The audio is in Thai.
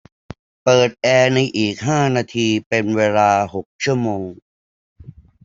เปิดแอร์ในอีกห้านาทีเป็นเวลาหกชั่วโมง